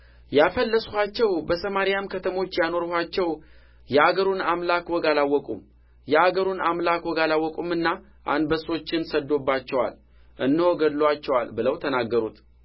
ያፈለስኻቸው በሰማርያም ከተሞች ያኖርኻቸው የአገሩን አምላክ ወግ አላወቁም የአገሩን አምላክ ወግ አላወቁምና አንበሶችን ሰድዶባቸዋል እነሆም ገደሉአቸው ብለው ተናገሩት